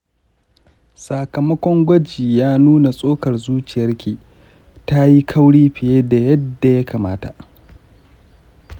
sakamakon gwaji ya nuna tsokar zuciyarki ta yi kauri fiye da yadda ya kamata.